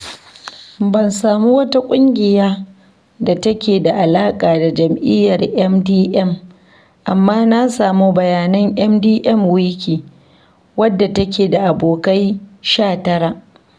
Ban samu wata ƙungiya da take da alaƙa da Jam'iyyar MDM, amma na samu bayanan MDMWIKI, wadda take da abokai 19.